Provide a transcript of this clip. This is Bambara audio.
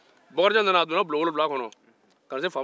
bakarijan donna bulon wolonfila kɔnɔ ka na se faama ma